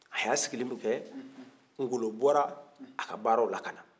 a y'a sigili min kɛ ngolo bɔra a ka baraw la ka na